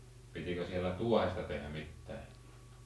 pitikö siellä tuohesta tehdä mitään